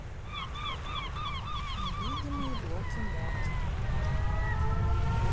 невидимые блоки мод